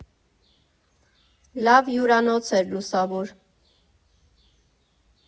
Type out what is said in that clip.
Լավ հյուրանոց էր՝ լուսավոր.